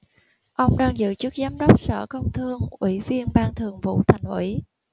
ông đang giữ chức giám đốc sở công thương ủy viên ban thường vụ thành ủy